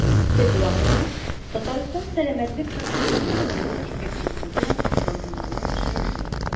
Төп вакыйга – Татарстан сәламәтлек саклау министрлыгы җитәкчелеге белән тантаналы очрашу.